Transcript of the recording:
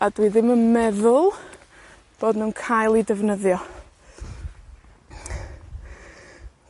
a dwi ddim yn meddwl bod nw'n cael 'u defnyddio.